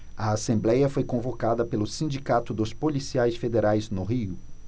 a assembléia foi convocada pelo sindicato dos policiais federais no rio